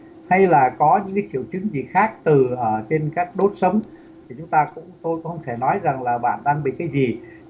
hay là có những triệu chứng gì khác từ từ ở trên các đốt sống chúng ta cũng tôi cũng không thể nói rằng là bạn đang bị cái gì